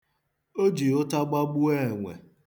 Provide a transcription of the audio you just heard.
O ji ụta gbagbuo enwe.